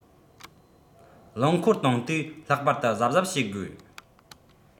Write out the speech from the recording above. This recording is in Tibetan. རླངས འཁོར བཏང དུས ལྷག པར དུ གཟབ གཟབ བྱེད དགོས